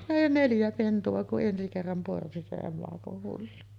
neljä pentua kun ensi kerran porsi se emakon hullu